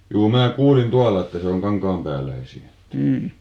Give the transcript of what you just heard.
juu minä kuulin tuolla että se on kankaanpääläisiä että ei